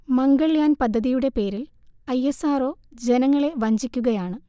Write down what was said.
മംഗൾയാൻ പദ്ധതിയുടെ പേരിൽ I S R O ജനങ്ങളെ വഞ്ചിക്കുകയാണ്